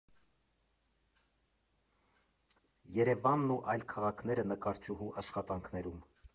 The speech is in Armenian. Երևանն ու այլ քաղաքները՝ նկարչուհու աշխատանքներում։